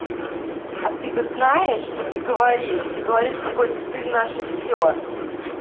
а ты бы знаешь что ты говоришь ты говоришь какой то ты наше все